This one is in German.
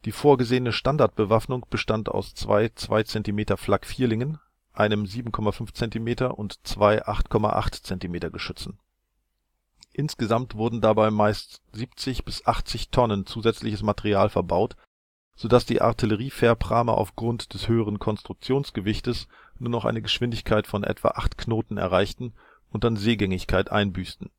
vorgesehene Standardbewaffnung bestand aus zwei 2 cm Flak-Vierlingen, einem 7,5 cm und zwei 8,8 cm Geschützen. Insgesamt wurden dabei meist 70 bis 80 t zusätzliches Material verbaut, so dass die Artilleriefährprahme aufgrund des höheren Konstruktionsgewichtes nur noch eine Geschwindigkeit von etwa 8 kn erreichten und an Seegängigkeit einbüßten